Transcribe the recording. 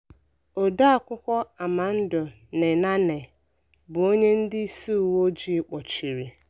Odeakụkọ Armando Nenane bụ onye ndị ịsị uwe ojii kpọchiri.